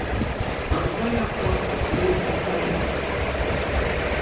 eitt føroyakort lýsir føroyar